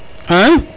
a